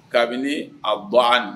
Kabini a ban